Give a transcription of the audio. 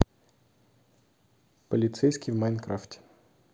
полицейский в майнкрафте